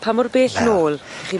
Pa mor bell nôl chi'n meddwl?